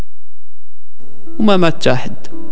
ماما تحت